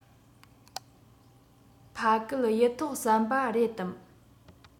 ཕ གི གཡུ ཐོག ཟམ པ རེད དམ